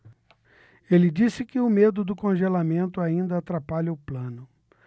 ele disse que o medo do congelamento ainda atrapalha o plano